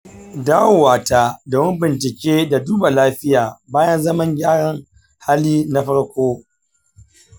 dawowata domin bincike da duba lafiya bayan zaman gyaran hali na farko.